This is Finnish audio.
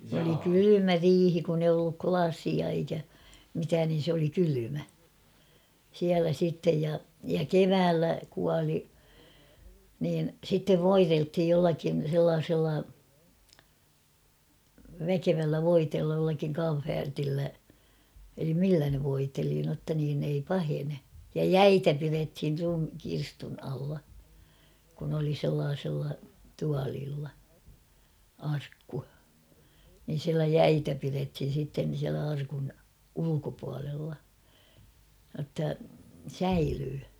oli kylmä riihi kun ei ollut lasia eikä mitään niin se oli kylmä siellä sitten ja ja keväällä kuoli niin sitten voideltiin jollakin sellaisella väkevällä voiteella jollakin kamferilla eli millä ne voiteli jotta niin ei pahene ja jäitä pidettiin - kirstun alla kun oli sellaisilla tuoleilla arkku niin siellä jäitä pidettiin sitten siellä arkun ulkopuolella jotta säilyy